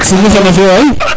Serigne noxe nam fiyo waay